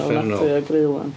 Ofnadwy o greulon.